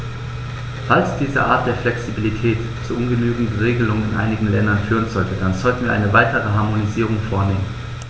Falls diese Art der Flexibilität zu ungenügenden Regelungen in einigen Ländern führen sollte, dann sollten wir eine weitere Harmonisierung vornehmen.